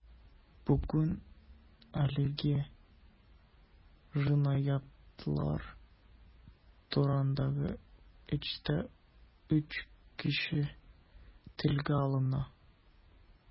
Бүген әлеге җинаятьләр турындагы эштә өч кеше телгә алына.